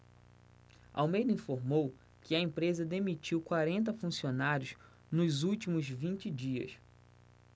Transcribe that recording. almeida informou que a empresa demitiu quarenta funcionários nos últimos vinte dias